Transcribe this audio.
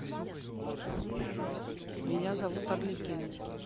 меня зовут арлекино